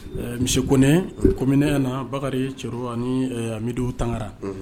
Misi konen kom ɲɛna na bakarijan cɛ ni midi tangara